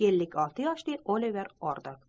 ellik olti yoshli oliver ordok